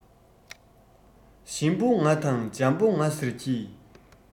ཞིམ པོ ང དང འཇམ པོ ང ཟེར གྱི